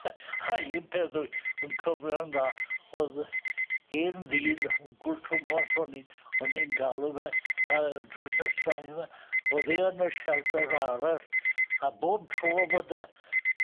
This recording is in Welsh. a un peth wi- wi'n cofio'n dda o'dd yy un ddyn wncwl Twmos o'n i o'n i'n galw fe yy drws nesa on' yfe o'dd e yn y shelter arall a bob tro fod y